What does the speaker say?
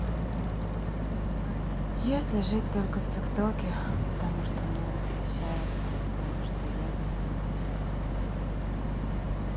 если жить только в тик токе потому что мной восхищаются потому что я данил степанов